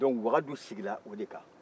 dɔnku wagadu sigira o de kan